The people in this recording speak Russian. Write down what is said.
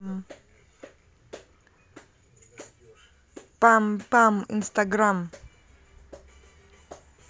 пам пам инстаграм